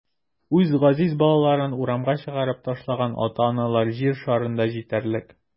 Үз газиз балаларын урамга чыгарып ташлаган ата-аналар җир шарында җитәрлек.